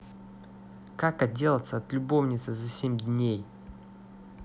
как отделаться от любовницы за семь дней